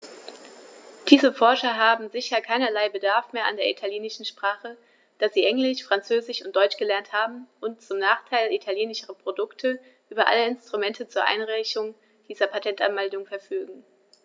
Diese Forscher haben sicher keinerlei Bedarf mehr an der italienischen Sprache, da sie Englisch, Französisch und Deutsch gelernt haben und, zum Nachteil italienischer Produkte, über alle Instrumente zur Einreichung dieser Patentanmeldungen verfügen.